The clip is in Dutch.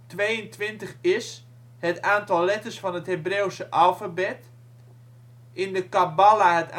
Tweeëntwintig is: het aantal letters in het Hebreeuws alfabet. In de Kabbala